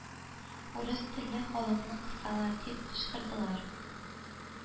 «урыс телле халык»ны кысалар, дип күп кычкырдылар.